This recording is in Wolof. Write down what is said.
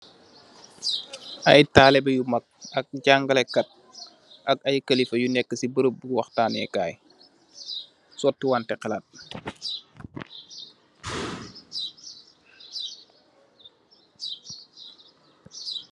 Aye talibeh yu mag ak jagaleh katt , ak aye kelifa yu nekah si bereb bi wahtaneh kaii , soti wanteh halat .